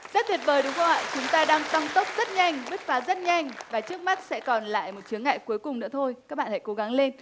rất tuyệt vời đúng không ạ chúng ta đang tăng tốc rất nhanh bứt phá rất nhanh và trước mắt sẽ còn lại một chướng ngại cuối cùng nữa thôi các bạn hãy cố gắng lên